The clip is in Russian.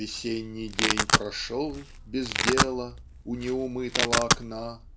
Весенний день прошел без дела У неумытого окна